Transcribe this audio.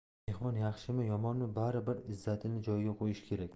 mehmon yaxshimi yomonmi bari bir izzatini joyiga qo'yishi kerak